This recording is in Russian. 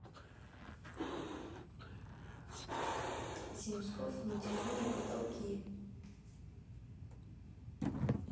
земсков натяжные потолки